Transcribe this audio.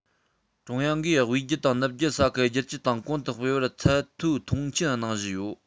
ཀྲུང དབྱང གིས དབུས རྒྱུད དང ནུབ རྒྱུད ས ཁུལ བསྒྱུར བཅོས དང གོང དུ སྤེལ བར ཚད མཐོའི མཐོང ཆེན གནང བཞིན ཡོད